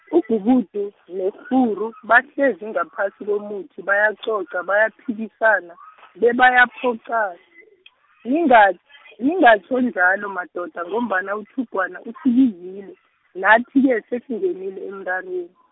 ugubudu nekghuru, bahlezi ngaphasi komuthi bayacoca bayaphikisana , bebayaphoqana.